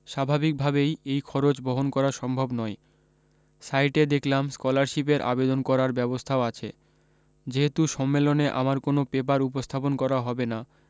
স্বাভাবিক ভাবেই এই খরচ বহন করা সম্ভব নয় সাইটে দেখলাম স্কলারশীপের আবেদন করার ব্যবস্থাও আছে যেহেতু সম্মেলনে আমার কোন পেপার উপস্থাপন করা হবেনা